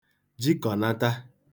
jikọ̀nata